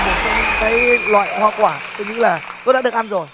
những cái loại hoa quả tôi nghĩ là tôi đã được ăn rồi